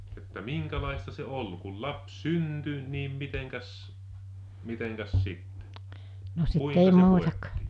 että minkälaista se oli kun lapsi syntyi niin mitenkäs mitenkäs sitten kuinka se hoidettiin